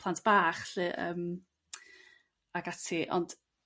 plant bach 'lly yrm ag ati ond